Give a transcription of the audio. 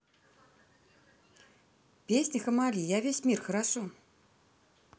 песня hammali я весь мир хорошо